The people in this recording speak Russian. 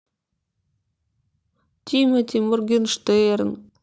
тимати моргенштерн